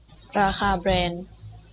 ราคาแบรนด์